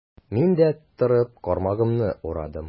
Мин дә, торып, кармагымны урадым.